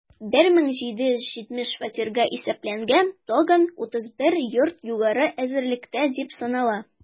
1770 фатирга исәпләнгән тагын 31 йорт югары әзерлектә дип санала.